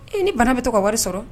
I ni bana bɛ to ka wari sɔrɔ